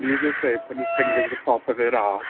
and he was just there putting his fingers on the top of her arse.